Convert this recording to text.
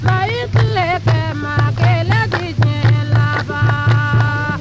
maa y'i tile kɛ maa kelen tɛ diɲɛ laban